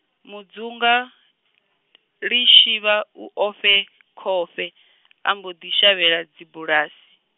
Mudzunga, Lishivha u ofhe, khovhe , a mbo ḓi shavhela dzibulasi.